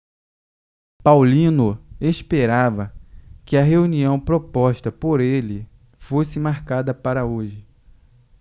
paulino esperava que a reunião proposta por ele fosse marcada para hoje